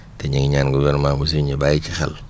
te ñu ngi ñaan gouvernement bi aussi ñu bàyyi ci xel